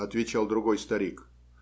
- ответил другой старик.